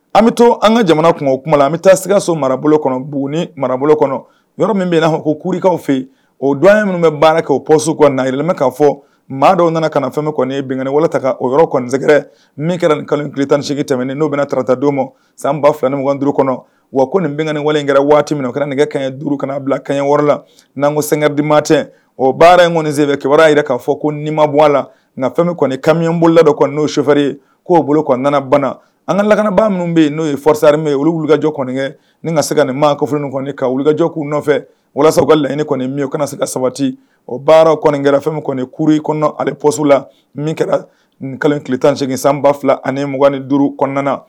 An bɛ to an ka jamana kun o kuma la an bɛ taa sigakaso marabolo kɔnɔ bugun marabolo kɔnɔ yɔrɔ min bɛ' ko kurukaw fɛ yen o dɔn ye minnu bɛ baara kɛ o pɔsi kuwa na yɛlɛɛlɛmɛ k'a fɔ maa dɔw nana ka na fɛn kɔni bɛnta o yɔrɔsɛegɛrɛ min kɛra nin kile tan8e tɛmɛ n'u bɛnataratadenw ma san ba fɛ ni mugan duuruuru kɔnɔ wa ko nin bɛni wale in kɛra waati min o kɛra nin nɛgɛ kaɲɛ duuru kana' bila kaɲɛ wɔɔrɔ la n'an ko senɛrɛdi mat o baara in kɔni sene kibaruya' jira k' fɔ ko nima bɔ a la na fɛn kɔni kami bolola dɔ kɔnɔ n'o suofɛri k'o bolo bana an ka lakanabaa minnu bɛ yen n'o ye fsare ye olu wu wulikajɔ kɔnikɛ ni ka se ka nin maakofi kɔni ka wu wulikajɔkulu nɔfɛ walasa u ka laɲiniini kɔni min o kana se ka sabati o baara kɛ fɛn kɔni kuruure kɔnɔ ani posi la min kɛra kitan8gin san 2 fila ani 2ugan ni duuru kɔnɔna na